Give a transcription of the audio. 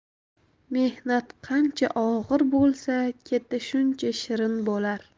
mehnat qancha og'ir bo'lsa keti shuncha shirin bo'lar